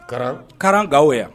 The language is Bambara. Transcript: Ka ka gawo yan